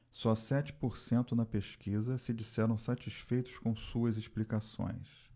só sete por cento na pesquisa se disseram satisfeitos com suas explicações